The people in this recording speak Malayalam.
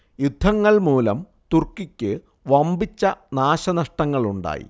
യുദ്ധങ്ങൾ മൂലം തുർക്കിക്ക് വമ്പിച്ച നാശനഷ്ടങ്ങളുണ്ടായി